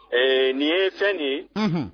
Ɛɛ nin ye fɛn nin ye